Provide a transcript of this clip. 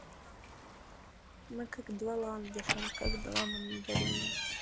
мы как два ландышам как два мандарина